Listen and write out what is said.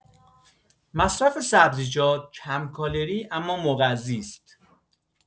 مصرف سبزیجات کم‌کالری اما مغذی است؛